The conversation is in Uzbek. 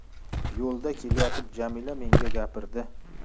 yo'lda kelayotib jamila menga gapirardi